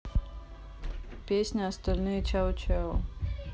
песня остальные чао чао